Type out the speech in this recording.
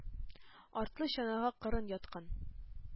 Артлы чанага кырын яткан,